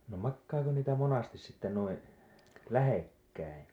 no makaako niitä monesti sitten noin lähekkäin